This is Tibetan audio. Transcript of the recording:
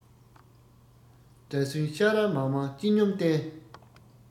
དགྲ ཟུན བཤའ རལ མ མང སྤྱི སྙོམས སྟེན